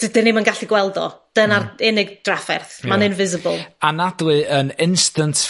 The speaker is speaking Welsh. dydyn ni'm yn gallu gweld o... Hmm. ...dyna'r unig drafferth... Ie. ...ma'n invisible. Anadlu yn instant